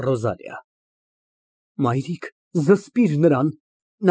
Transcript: ՌՈԶԱԼԻԱ ֊ Մայրիկ զսպիր նրան։